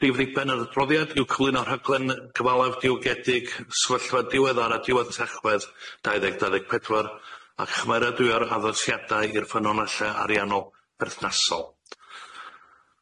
Rhif ddiben yr adroddiad yw cyflwyno rhaglen gyfalef diwgedig sefyllfa diweddara diwedd Tachwedd dau ddeg dau ddeg pedwar a chymeradwya'r addosiadau i'r ffynonellau ariannol berthnasol.